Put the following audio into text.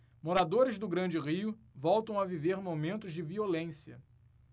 moradores do grande rio voltam a viver momentos de violência